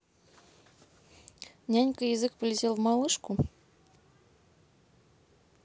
нянька язык полетел в малышку